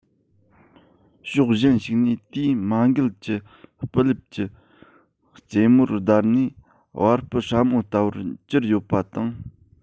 ཕྱོགས གཞན ཞིག ནས དེའི མ མགལ གྱི སྤུ ལེབ ཀྱི རྩེ མོ བརྡར ནས བ སྤུ སྲ མོ ལྟ བུར གྱུར ཡོད པ དང